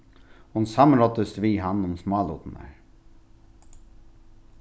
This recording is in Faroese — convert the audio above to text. hon samráddist við hann um smálutirnar